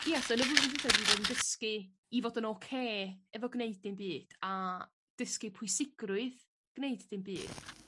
Ia so yn y flwyddyn dwitha dwi fod yn dysgu i fod yn ocê efo gneud dim byd a dysgu pwysigrwydd gwneud dim byd.